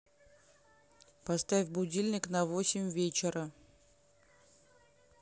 поставь будильник на восемь вечера